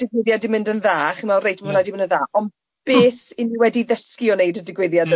...digwyddiad di mynd yn dda, chi'n meddwl reit ma hwnna di mynd yn dda, ond beth o'n i wedi ddysgu o wneud y digwyddiad yna?